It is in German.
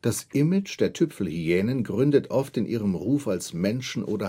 Das Image der Tüpfelhyänen gründet oft in ihrem Ruf als Menschen - oder